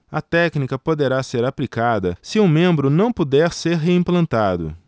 a técnica poderá ser aplicada se o membro não puder ser reimplantado